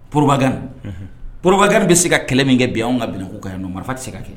Porobakan porobakari bɛ se ka kɛlɛ min kɛ bɛn an ka bilako ka yan nɔ marifa tɛ se ka kɛ